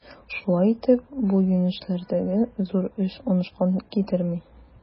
Шулай итеп, бу юнәлештәге зур эш уңышка китерми.